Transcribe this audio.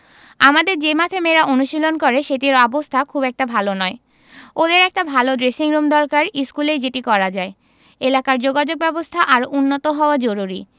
আমাদের যে মাঠে মেয়েরা অনুশীলন করে সেটির অবস্থা খুব একটা ভালো নয় ওদের একটা ভালো ড্রেসিংরুম দরকার স্কুলেই যেটি করা যায় এলাকার যোগাযোগব্যবস্থা আরও উন্নত হওয়া জরুরি